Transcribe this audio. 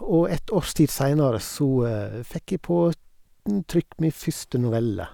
Og ett års tid seinere så fikk jeg på dn trykk mi første novelle.